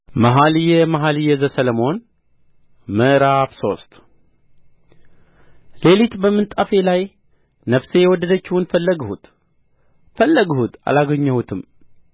መኃልየ መኃልይ ዘሰሎሞን ምዕራፍ ሶስት ሌሊት በምንጣፌ ላይ ነፍሴ የወደደችውን ፈለግሁት ፈለግሁት አላገኘሁትም